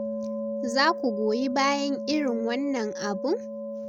"Za ku goyi bayan irin wannan abun?